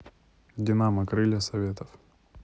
динамо крылья советов